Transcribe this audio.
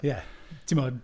Ie. Tibod...